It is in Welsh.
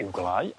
i'w gwlai